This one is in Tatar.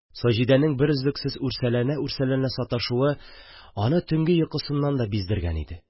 Саҗидәнең берөзлексез үрсәләнә-үрсәләнә саташуы аны төнге йокысыннан да биздергән иде.